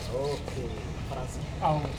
Ok